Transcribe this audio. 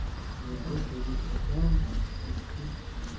erga tegish oson